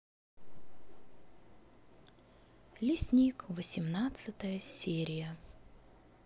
лесник восемнадцатая серия